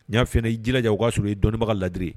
N y'a f ye jija waaso i dɔnniibaga ladire